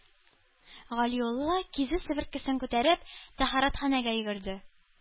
Галиулла кизү, себеркесен күтәреп, тәһарәтханәгә йөгерде.